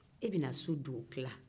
e bɛ na su dugutila